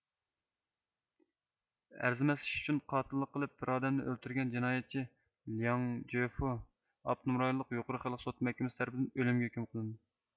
ئەرزىمەس ئىش ئۈچۈن قاتىللىق قىلىپ بىر ئادەمنى ئۆلتۈرگەن جىنايەتچى لياڭ جۆفۇ ئاپتونوم رايونلۇق يۇقىرى خەلق سوت مەھكىمىسى تەرىپىدىن ئۆلۈمگە ھۆكۈم قىلىندى